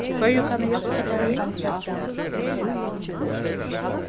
hvørjum kann eg hjálpa tær við